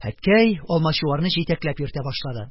Әткәй Алмачуарны җитәкләп йөртә башлады.